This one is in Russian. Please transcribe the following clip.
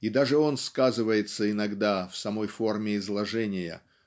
и даже он сказывается иногда в самой форме изложения